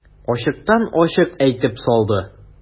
Ачыктан-ачык әйтеп салды.